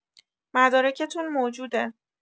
مدارکتون موجوده